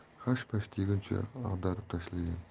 tanob yerni hashpash deguncha ag'darib tashlagan